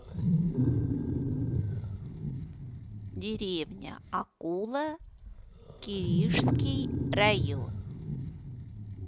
деревня акула киришский район